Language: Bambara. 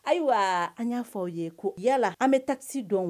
Ayiwa an y'a fɔ' ye ko yalala an bɛ tasi dɔn